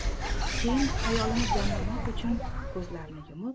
keyin xayolini jamlamoq uchun ko'zlarini yumib